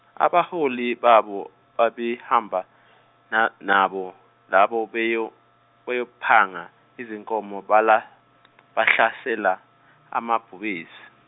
abaholi babo babehamba na- nabo lapho beyo- beyophanga izinkomo bala- bahlasela amabhubezi.